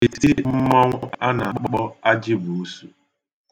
Ha na-eti mmọnwụ a na-akpo ajibuusu.